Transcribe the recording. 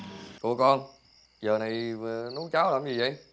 ủa con giờ này nấu cháo làm gì vậy